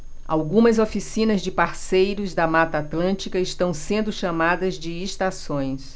algumas oficinas de parceiros da mata atlântica estão sendo chamadas de estações